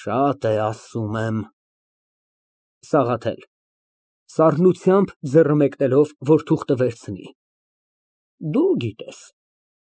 Շատ է, ասում եմ։ ՍԱՂԱԹԵԼ ֊ (Սառնությամբ ձեռը մեկնելով, որ թուղթը վերցնի) Դու գիտես։